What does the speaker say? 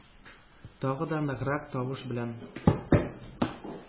Тагы да ныграк тавыш белән: